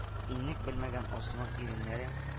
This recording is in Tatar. Иннек белмәгән алсуның иреннәре